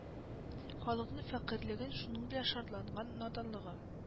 Халыкның фәкыйрьлеген шуның белән шартланган наданлыгы